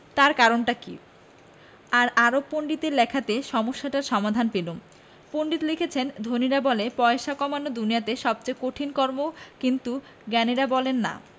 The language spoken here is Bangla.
তার কারণটা কি এক আরব পণ্ডিতের লেখাতে সমস্যাটার সমাধান পেলুম পণ্ডিত লিখেছেন ধনীরা বলে পয়সা কামানো দুনিয়াতে সবচেয়ে কঠিন কর্ম কিন্তু জ্ঞানীরা বলেন না